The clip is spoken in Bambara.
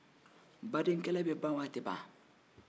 badenkɛlɛ bɛ ban wa a tɛ ban